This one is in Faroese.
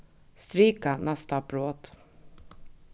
strika næsta brot